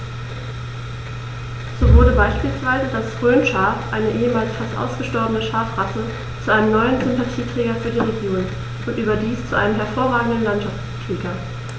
So wurde beispielsweise das Rhönschaf, eine ehemals fast ausgestorbene Schafrasse, zu einem neuen Sympathieträger für die Region – und überdies zu einem hervorragenden Landschaftspfleger.